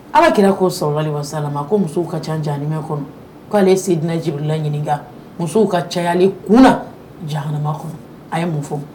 Ala kɛra ko sɔrɔli wa sa ma ko musow ka ca jainmɛ kɔnɔ k'ale sedinɛ jelila ɲini musow ka cali kun ja kɔnɔ a ye mun fɔ